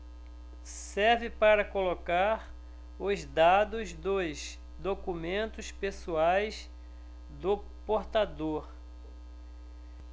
serve para colocar os dados dos documentos pessoais do portador